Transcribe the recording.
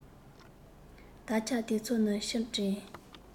ད ཆ དེ ཚོ ནི ཕྱིར དྲན